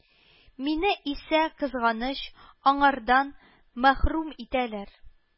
Мине исә, кызганыч, аңардан мәхрүм итәләр